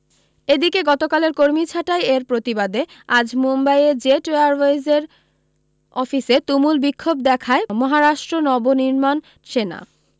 এদিকে গতকালের কর্মী ছাঁটাই এর প্রতিবাদে আজ মুম্বাইয়ে জেট এয়ারওয়েজের অফিসে তুমুল বিক্ষোভ দেখায় মহারাষ্ট্র নবনির্বাণ সেনা